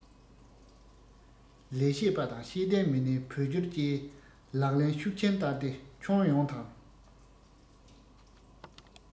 ལས བྱེད པ དང ཤེས ལྡན མི སྣའི བོད སྐྱོར བཅས ལག ལེན ཤུགས ཆེན བསྟར ཏེ ཁྱོན ཡོངས དང